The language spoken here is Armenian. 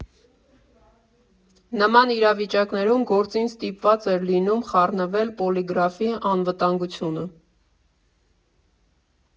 Նման իրավիճակներում գործին ստիպված էր լինում խառնվել Պոլիգրաֆի անվտանգությունը։